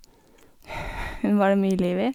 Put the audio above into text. Hun var det mye liv i.